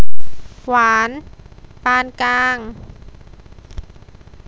หวานปานกลาง